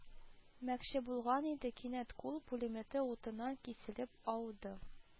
Мәкче булган иде, кинәт кул пулеметы утыннан киселеп ауды